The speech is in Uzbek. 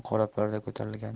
qora parda ko'tarilgandi